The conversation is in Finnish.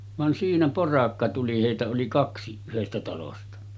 vaan siinä porakka tuli heitä oli kaksi yhdestä talosta